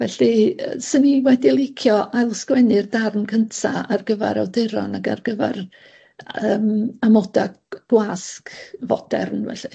Felly, yy swn i wedi licio ail-sgwennu'r darn cynta ar gyfar awduron ag ar gyfar yym amoda' g- dwasg fodern felly.